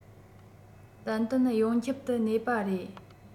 ཏན ཏན ཡོངས ཁྱབ ཏུ གནས པ རེད